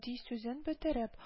Ди, сүзен бетереп: